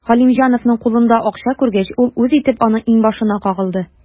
Галимҗановның кулында акча күргәч, ул үз итеп аның иңбашына кагылды.